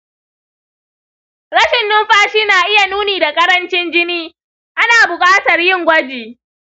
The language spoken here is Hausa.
rashin numfashi na iya nuni da ƙarancin jini; ana buƙatar yin gwaji.